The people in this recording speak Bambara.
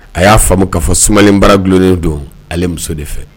A y'a faamu k'a fɔ sumalenbara dulonnen don ale muso de fɛ